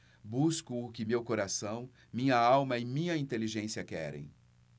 busco o que meu coração minha alma e minha inteligência querem